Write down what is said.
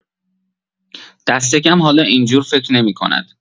دست‌کم حالا این‌جور فکر نمی‌کند.